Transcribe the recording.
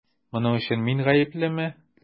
Моның өчен мин гаеплемени?